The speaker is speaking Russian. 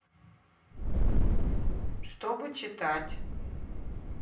чтобы читать